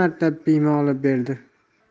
marta piyma olib berdi